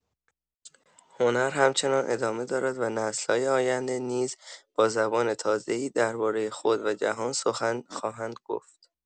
هنر همچنان ادامه دارد و نسل‌های آینده نیز با زبان تازه‌ای درباره خود و جهان سخن خواهند گفت.